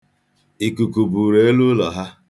Ìkùkù buuru elu ụ̀lọ̀ ha.